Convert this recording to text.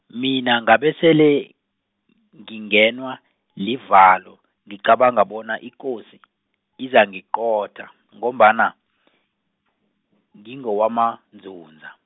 mina ngabesele, n- ngingenwa, livalo, ngicabanga bona ikosi, izangiqotha, ngombana , ngingowamaNdzundza.